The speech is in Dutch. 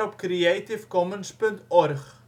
NB, 5° 27 ' OL